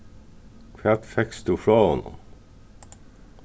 hvat fekst tú frá honum